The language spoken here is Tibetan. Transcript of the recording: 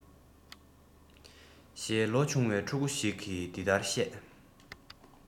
ཞེས ལོ ཆུང བའི ཕྲུ གུ ཞིག གི འདི ལྟར གཤས